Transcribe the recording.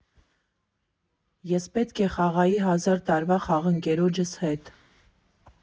Ես պետք է խաղայի հազար տարվա խաղընկերոջս հետ։